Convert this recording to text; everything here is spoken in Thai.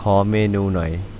ขอเมนูหน่อย